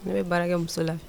Ne bɛ baara kɛ muso la